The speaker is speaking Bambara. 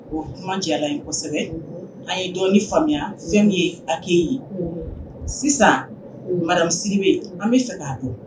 O kuma jɛla kosɛbɛ an ye dɔn ni faamuya fɛn ye ha ye sisan marasi bɛ an bɛa fɛ k'a dɔn